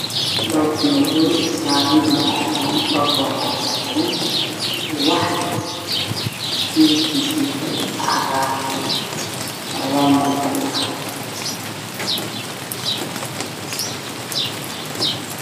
Waa geed caleemo dhaadheer OO midabkoodu yahay cagaar